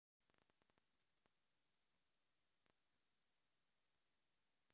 американская комедия